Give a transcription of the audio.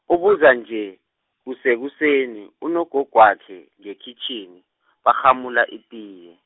ubuza nje, kusekuseni, unogogwakhe ngekhwitjhini, barhamula itiye.